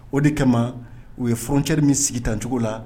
O de kama u ye fcɛri min sigi tancogo la